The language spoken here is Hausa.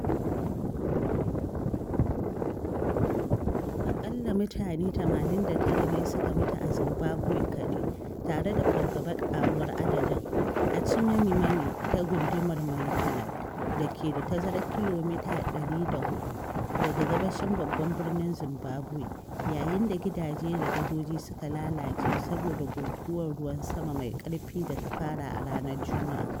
Aƙalla mutum 89 ne suka mutu a Zimbabwe kaɗai, tare da fargabar ƙaruwar adadin, a Chimanimani ta gundumar Manicaland, da ke da tazarar kilomita 406 daga gabashin babban birnin Zimbabwe. Yayin da gidaje da gadoji suka lalace saboda guguwar ruwan sama mai ƙarfi da ta fara a ranar Juma’a.